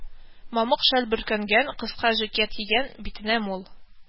Мамык шәл бөркәнгән, кыска жикет кигән, битенә мул